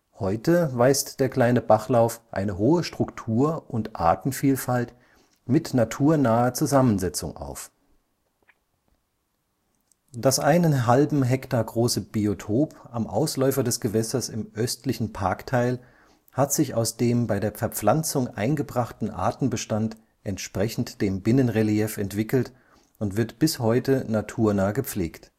Heute weist der kleine Bachlauf eine hohe Struktur - und Artenvielfalt mit naturnaher Zusammensetzung auf. Das einen halben Hektar große Biotop am Ausläufer des Gewässers im östlichen Parkteil hat sich aus dem bei der Verpflanzung eingebrachten Artenbestand entsprechend dem Binnenrelief entwickelt und wird bis heute naturnah gepflegt